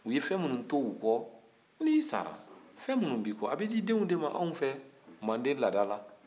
u ye fɛn minnu to u kɔ n'i sara fɛn minnu b'i kɔ a bɛ d'i denw de ma anw fɛ mande laada la